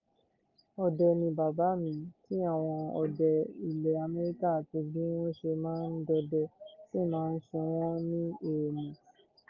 Ọdẹ ni bàbá mi tí àwọn ọdẹ ilẹ̀ America àti bí wọ́n ṣe máa ń dọdẹ sì máa ń ṣe wọ́n ní èèmọ̀.